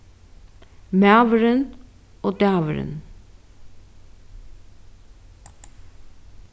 maðurin og dagurin